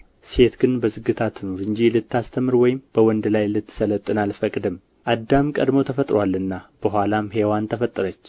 ሴት ግን በዝግታ ትኑር እንጂ ልታስተምር ወይም በወንድ ላይ ልትሰለጥን አልፈቅድም አዳም ቀድሞ ተፈጥሮአልና በኋላም ሔዋን ተፈጠረች